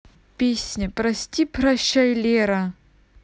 песня прости прощай лера